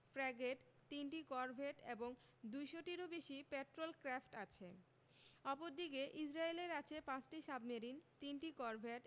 frigate ৩টি corvette এবং ২০০ টিরও বেশি পেট্রল ক্র্যাফট আছে অপরদিকে ইসরায়েলের আছে ৫টি সাবমেরিন ৩টি করভেট